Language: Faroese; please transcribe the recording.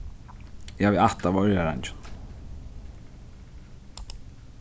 eg havi ætt av oyrareingjum